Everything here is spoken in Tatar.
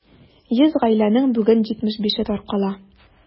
100 гаиләнең бүген 75-е таркала.